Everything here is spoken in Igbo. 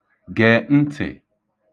gè ntị̀